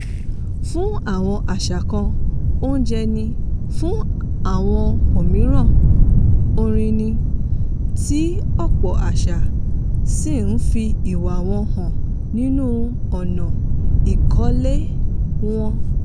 Fún àwọn àṣà kan, oúnjẹ ni, fún àwọn mìíràn orin ni, tí ọ̀pọ̀ àṣà sì ń fi ìwà wọn hàn nínú ọ̀nà ìkọ́lé wọn.